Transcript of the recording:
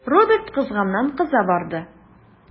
Роберт кызганнан-кыза барды.